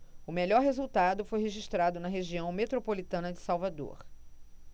o melhor resultado foi registrado na região metropolitana de salvador